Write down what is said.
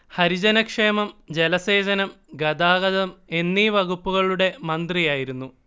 ഹരിജനക്ഷേമം ജലസേചനം ഗതാഗതം എന്നീ വകുപ്പുകളുടെ മന്ത്രിയായിരുന്നു